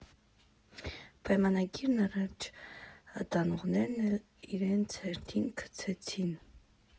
Պայմանագիրն առաջ տանողներն էլ իրենց հերթին քցեցին։